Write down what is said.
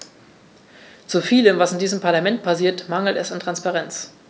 Zu vielem, was in diesem Parlament passiert, mangelt es an Transparenz.